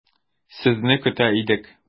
Сезне көтә идек.